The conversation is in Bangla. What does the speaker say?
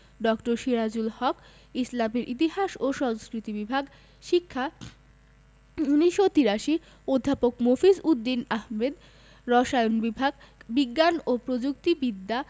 ড. সিরাজুল হক ইসলামের ইতিহাস ও সংস্কৃতি বিভাগ শিক্ষা ১৯৮৩ অধ্যাপক মফিজ উদ দীন আহমেদ রসায়ন বিভাগ বিজ্ঞান ও প্রযুক্তি বিদ্যা